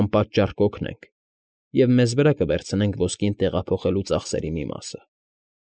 Անպատճառ կօգնենք և մեզ վրա կվերցնեք ոսկին տեղափոխելու ծախսերի մի մասը։